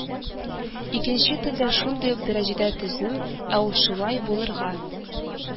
Икенче телдә шундый ук дәрәҗәдә төзү (ә ул шулай булырга